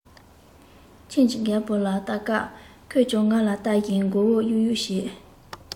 ཁྱིམ གྱི རྒད པོ ལ ལྟ སྐབས ཁོས ཀྱང ང ལ ལྟ བཞིན མགོ བོ གཡུག གཡུག བྱེད